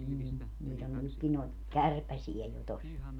niin niitä on nytkin noita kärpäsiä jo tuossa